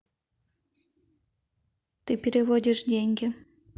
ты переводишь деньги